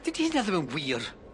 Dydi hynna ddim yn wir.